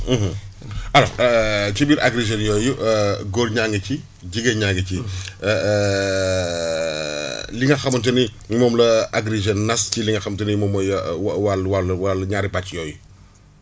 alors ci biir Agri Jeunes yooyu góor ñaa ngi ci jigéen ñaa ngi ci li nga xamante ni moom la Agri Jeunes nas ci li nga xamante ni moom mooy wàllu wàllu wàllu ñaari pàcc yooyu